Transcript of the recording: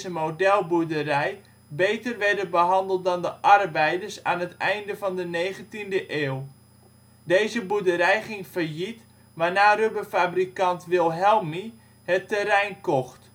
modelboerderij beter werden behandeld dan de arbeiders aan het einde van de 19e eeuw. Deze boerderij ging failliet waarna rubberfabrikant Wilhelmi het terrein kocht